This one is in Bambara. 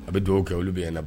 A bɛ dɔw kɛ olu bɛ ɲɛna